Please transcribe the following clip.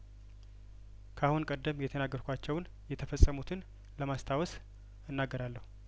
ካሁን ቀደም የተናገርኳቸውን የተፈጸሙትን ለማስታወስ እናገራለሁ